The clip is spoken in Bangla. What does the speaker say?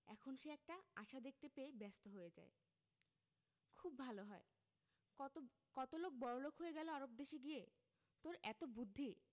এখন সে একটা আশা দেখতে পেয়ে ব্যস্ত হয়ে যায় খুব ভালো হয় কত কত লোক বড়লোক হয়ে গেল আরব দেশে গিয়ে তোর এত বুদ্ধি